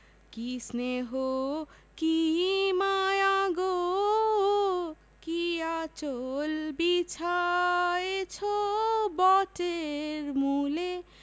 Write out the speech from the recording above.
কী স্নেহ কী মায়া গো কী আঁচল বিছায়েছ বটের মূলে